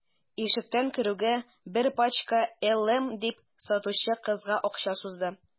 Ишектән керүгә: – Бер пачка «LM»,– дип, сатучы кызга акча сузды.